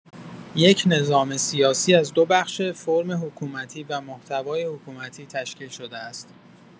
یک نظام سیاسی از دوبخش فرم حکومتی و محتوای حکومتی تشکیل شده است.